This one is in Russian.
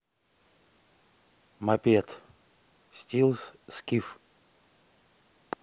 мопед stels skif